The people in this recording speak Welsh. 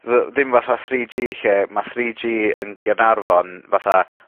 fy- ddim fatha three gee lle ma' three gee yn Gaernarfon fatha